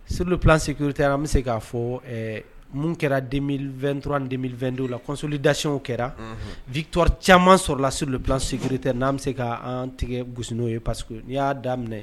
Slu ste an bɛ se k ka fɔ minnu kɛra2t2te la kɔsɔlidasiyw kɛra vitɔ caman sɔrɔlala sl s tɛ n'an bɛ se kaan tigɛ gs n'o ye pa que n' y'a daminɛ minɛ